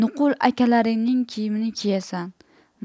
nuqul akalaringning kiyimini kiyasan